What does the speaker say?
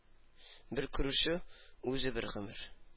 Бер күрешү үзе бер гомер.